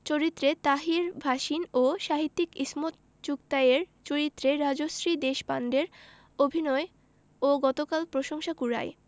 চরিত্রে তাহির ভাসিন ও সাহিত্যিক ইসমত চুগতাইয়ের চরিত্রে রাজশ্রী দেশপান্ডের অভিনয়ও গতকাল প্রশংসা কুড়ায়